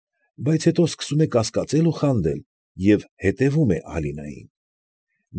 Բայց հետո սկսում է կասկածել ու խանդել և հետևում է Ալինային։